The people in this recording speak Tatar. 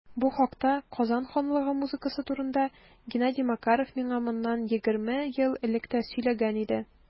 Бу хакта - Казан ханлыгы музыкасы турында - Геннадий Макаров миңа моннан 20 ел элек тә сөйләгән иде.